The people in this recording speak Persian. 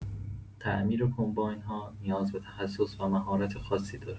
تعمیر کمباین‌ها نیاز به تخصص و مهارت خاصی داره.